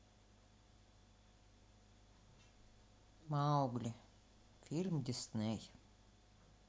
маугли фильм дисней